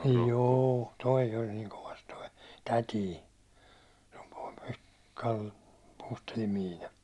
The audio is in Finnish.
juu tuo oli niin kovassa tuo täti - Puustellin Miina